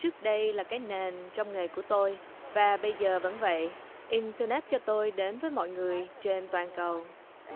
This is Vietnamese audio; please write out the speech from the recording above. trước đây là cái nền trong nghề của tôi và bây giờ vẫn vậy internet cho tôi đến với mọi người trên toàn cầu